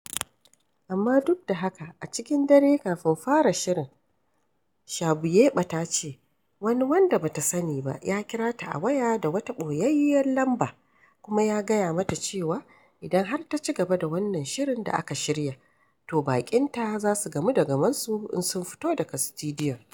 Amma duk da haka, a cikin dare kafin fara shirin, Shabuyeɓa ta ce, wani wanda ba ta sani ba ya kira ta a waya da wata ɓoyayyiyar lamba kuma ya gaya mata cewa idan har ta cigaba da wannan shirin da aka shirya, to baƙinta za su gamu da gamonsu in sun fito daga sitidiyon.